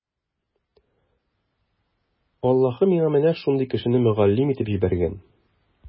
Аллаһы миңа менә шундый кешене мөгаллим итеп җибәргән.